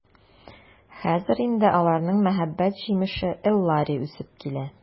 Хәзер инде аларның мәхәббәт җимеше Эллари үсеп килә.